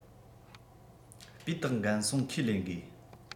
སྤུས དག འགན སྲུང ཁས ལེན དགོས